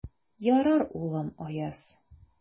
Ярар, улым, Аяз.